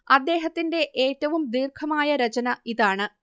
അദ്ദേഹത്തിന്റെ ഏറ്റവും ദീർഘമായ രചന ഇതാണ്